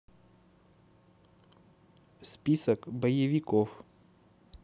список боевиков